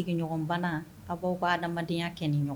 Sigiɲɔgɔnbana aw'aw ka adamadamadenyaya kɛ nin ɲɔgɔn